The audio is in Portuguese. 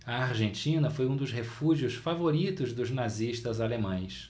a argentina foi um dos refúgios favoritos dos nazistas alemães